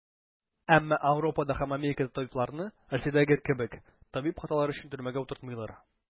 Әмма Ауропада һәм Америкада табибларны, Рәсәйдәге кебек, табиб хаталары өчен төрмәгә утыртмыйлар.